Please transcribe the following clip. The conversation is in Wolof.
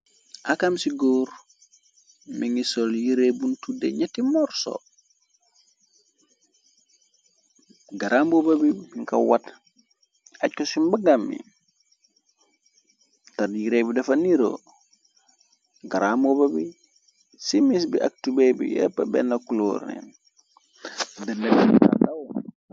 Akam ci góor mongi sol yiree bun tudde ñeti moorso garaambooba bi mung ko wat agg ko si mbagam bi tek yiree bi defa ndiiro garambubu bi ci mis bi ak tubai bi yepp benna kuloor la.